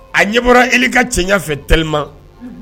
A ɲɛ bɔra e ka cɛyafɛ talima